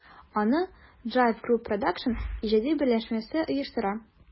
Аны JIVE Group Produсtion иҗади берләшмәсе оештыра.